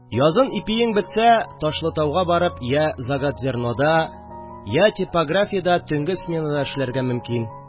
Язын ипиең бетсә, Ташлытауга барып я заготзернода, я типографиядә төнге сменада эшләргә мөмкин